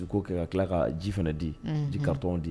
' kɛ ka tila ka ji fana di di kari tɔn di ye